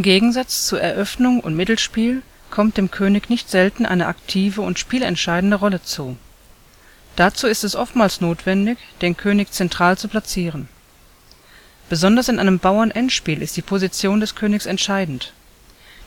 Gegensatz zu Eröffnung und Mittelspiel kommt dem König nicht selten eine aktive und spielentscheidende Rolle zu. Dazu ist es oftmals notwendig, den König zentral zu platzieren. Besonders in einem Bauernendspiel ist die Position des Königs entscheidend.